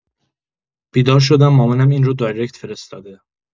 بیدار شدم مامانم این رو دایرکت فرستاده